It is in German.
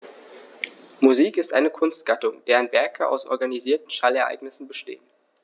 Musik ist eine Kunstgattung, deren Werke aus organisierten Schallereignissen bestehen.